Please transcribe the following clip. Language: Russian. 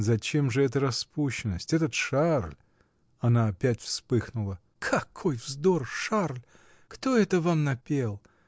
— Зачем же эта распущенность, этот Шарль!. Она опять вспыхнула. — Какой вздор — Шарль! кто это вам напел?